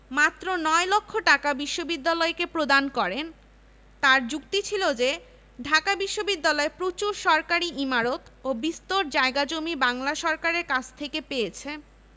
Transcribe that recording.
এবং শিক্ষাই আলো লেখা সম্বলিত নতুন ডিজাইনের তৃতীয় মনোগ্রাম অদ্যাবধি ব্যবহার করা হচ্ছে